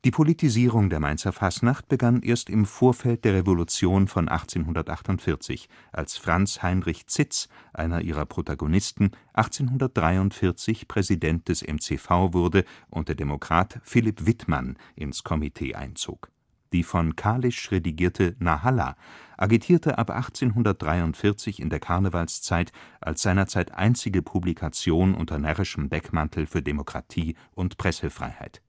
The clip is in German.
Politisierung der Mainzer Fastnacht begann erst im Vorfeld der Revolution von 1848, als Franz Heinrich Zitz, einer ihrer Protagonisten, 1843 Präsident des MCV wurde und der Demokrat Philipp Wittmann ins Komitee einzog. Die von Kalisch redigierte „ Narrhalla “agitierte ab 1843 in der Karnevalszeit als seinerzeit einzige Publikation unter närrischem Deckmantel für Demokratie und Pressefreiheit